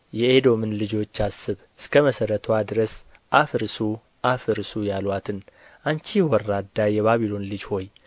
የኤዶምን ልጆች አስብ እስከ መሠረትዋ ድረስ አፍርሱ አፍርሱ ያሉአትን አንቺ ወራዳ የባቢሎን ልጅ ሆይ